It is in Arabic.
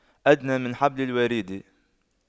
أدنى من حبل الوريد